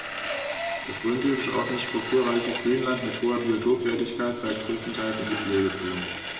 Das rhöntypische offene, strukturreiche Grünland mit hoher Biotopwertigkeit fällt größtenteils in die Pflegezone.